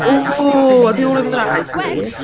O! I'd be all over that iced tea.